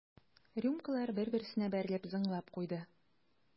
Рюмкалар бер-берсенә бәрелеп зыңлап куйды.